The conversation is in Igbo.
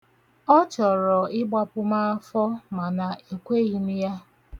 Ọ chọrọ ịgbapụ m afọ mana ekweghị m ya.